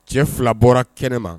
Cɛ fila bɔra kɛnɛ ma